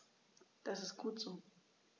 Das ist gut so.